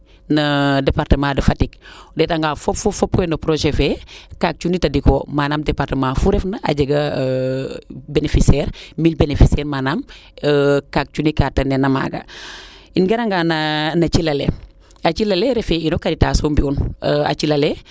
no Departement de Fatick o ndeeta nga fop fop koy no projet fee kaak cunni tadiko manaam Département fuu refna a jegaa benificiaire mille beneficiaire manaam kaak cunni kaa tane na maaga i ngara nga na cila le a cila le refee ino Katitas o mbiyun a cila le